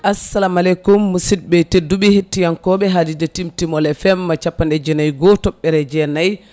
assalamu aleykum musibɓe tedduɓe hettiyankoɓe haalirde Timtimol FM capanɗe jeenayyi e goho toɓɓere jenayyi